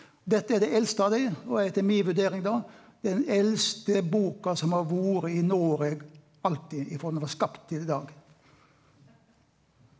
dette er det eldste av dei og etter mi vurdering da den eldste boka som har vore i Noreg alltid ifrå den var skapt til i dag.